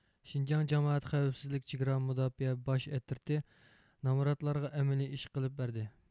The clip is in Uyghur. شىنجاڭ جامائەت خەۋپسىزلىك چېگرا مۇداپىئە باش ئەترىتى نامراتلارغا ئەمەلىي ئىش قىلىپ بەردى